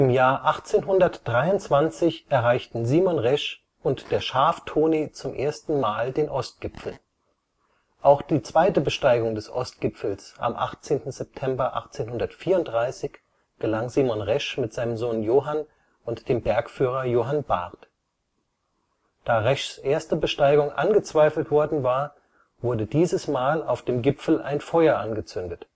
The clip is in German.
Jahr 1823 erreichten Simon Resch und der „ Schaf-Toni “zum ersten Mal den Ostgipfel. Auch die zweite Besteigung des Ostgipfels am 18. September 1834 gelang Simon Resch mit seinem Sohn Johann und dem Bergführer Johann Barth. Da Reschs erste Besteigung angezweifelt worden war, wurde dieses Mal auf dem Gipfel ein Feuer angezündet